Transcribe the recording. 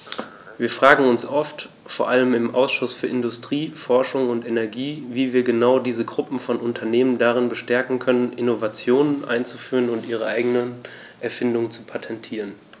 Wir fragen uns oft, vor allem im Ausschuss für Industrie, Forschung und Energie, wie wir genau diese Gruppe von Unternehmen darin bestärken können, Innovationen einzuführen und ihre eigenen Erfindungen zu patentieren.